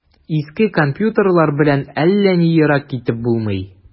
Иске компьютерлар белән әллә ни ерак китеп булмый.